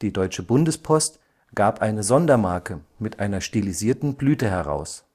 Deutsche Bundespost gab eine Sondermarke mit einer stilisierten Blüte heraus